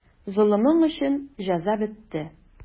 Золымың өчен җәза бетте.